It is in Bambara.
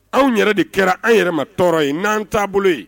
Anw yɛrɛ de kɛra an yɛrɛ tɔɔrɔ ye n'an taabolo ye